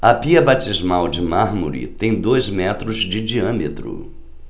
a pia batismal de mármore tem dois metros de diâmetro